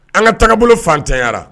An ka taabolobolo fanɛnyara